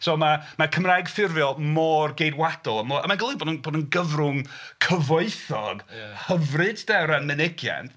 So ma' ma' Cymraeg ffurfiol mor geidwadol, a mo- a mae'n golygu bod yn bod yn gyfrwng cyfoethog... ia. ...hyfryd de o ran mynegiant.